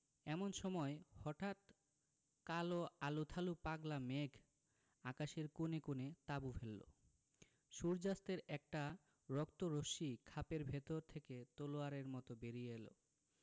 এমন সময় হঠাৎ কাল আলুথালু পাগলা মেঘ আকাশের কোণে কোণে তাঁবু ফেললো সূর্য্যাস্তের একটা রক্ত রশ্মি খাপের ভেতর থেকে তলোয়ারের মত বেরিয়ে এল